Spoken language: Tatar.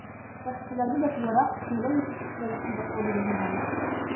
Сәхифәләрне дә тулырак, киңрәк итеп эшләве кызыклы, диде журналист.